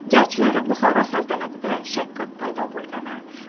jarchilar buxoro saltanatida shakkok paydo bo'lgani